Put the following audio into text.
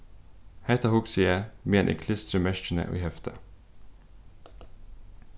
hetta hugsi eg meðan eg klistri merkini í heftið